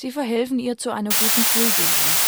verhelfen ihr zu einer guten Schulbildung